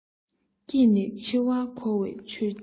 སྐྱེས ནས འཆི བ འཁོར བའི ཆོས ཉིད